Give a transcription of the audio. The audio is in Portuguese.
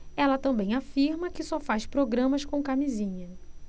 ela também afirma que só faz programas com camisinha